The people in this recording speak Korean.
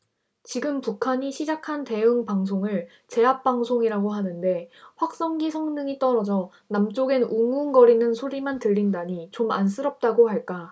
지금 북한이 시작한 대응 방송을 제압방송이라고 하는데 확성기 성능이 떨어져 남쪽엔 웅웅거리는 소리만 들린다니 좀 안쓰럽다고 할까